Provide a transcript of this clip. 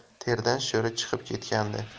kiyimlari terdan sho'ri chiqib ketgandi